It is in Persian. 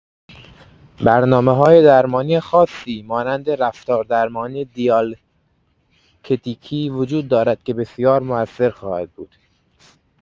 برنامه‌‌های درمانی خاصی مانند رفتاردرمانی دیالکتیکی وجود دارد که بسیار موثر خواهد بود.